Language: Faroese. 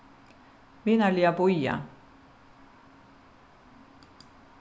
vinarliga bíða